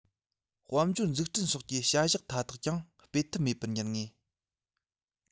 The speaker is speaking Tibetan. དཔལ འབྱོར འཛུགས སྐྲུན སོགས ཀྱི བྱ གཞག ཐ དག ཀྱང སྤེལ ཐབས མེད པར འགྱུར ངེས